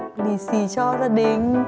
lì xì cho gia đình